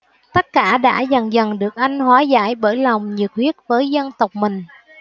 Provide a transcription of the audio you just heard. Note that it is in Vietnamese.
tất cả đã dần dần được anh hóa giải bởi lòng nhiệt huyết với dân tộc mình